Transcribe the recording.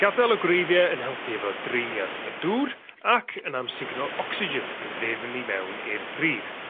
gadel o gwreiddie yn helpu efo dreiniad y dŵr ac yn amsugno ocsigen yn ddyfn i mewn i'r pridd.